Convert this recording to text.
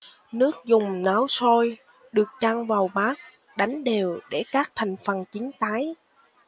nước dùng nấu sôi được chan vào bát đánh đều để các thành phần chín tái